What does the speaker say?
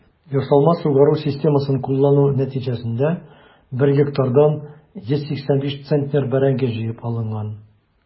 Ясалма сугару системасын куллану нәтиҗәсендә 1 гектардан 185 центнер бәрәңге җыеп алынган.